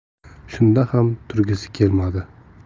shunda ham turgisi kelmadi